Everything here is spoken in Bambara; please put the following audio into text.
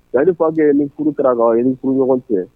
Yan une fois que ni furu kɛra i ni furuɲɔgɔn cɛ